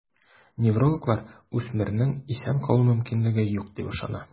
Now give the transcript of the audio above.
Неврологлар үсмернең исән калу мөмкинлеге юк диеп ышана.